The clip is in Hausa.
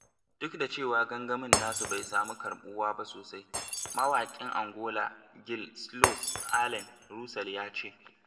Duk da cewa gangamin nasu bai samu karɓuwa ba sosai, mawaƙin Angola, Gil Slows Allen Russel ya ce: